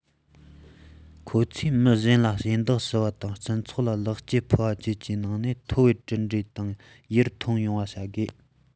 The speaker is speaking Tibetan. ཁོ ཚོས མི གཞན ལ ཞབས འདེགས ཞུ བ དང སྤྱི ཚོགས ལ ལེགས སྐྱེས འབུལ བ བཅས ཀྱི ནང ནས ཐོབ པའི གྲུབ འབྲས དང ཡར ཐོན ཡོང བར བྱ དགོས